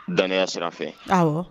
Danya sira fɛ